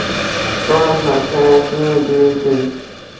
что означает имя дмитрий